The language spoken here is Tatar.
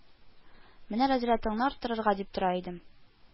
Менә разрятыңны арттырырга дип тора идем